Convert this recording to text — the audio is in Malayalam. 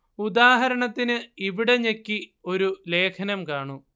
ഉദാഹരണത്തിന് ഇവിടെ ഞെക്കി ഒരു ലേഖനം കാണൂ